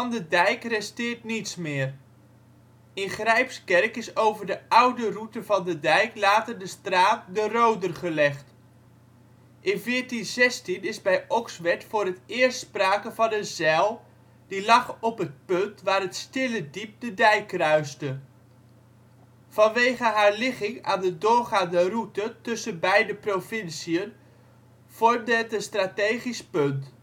de dijk resteert niets meer. In Grijpskerk is over de oude route van de dijk later de straat ' De Roder ' gelegd. In 1416 is bij Okswerd voor het eerst sprake van een zijl, die lag op het punt waar het Stille Diep de dijk kruiste. Vanwege haar ligging aan de doorgaande route tussen beide provinciën vormde het een strategisch punt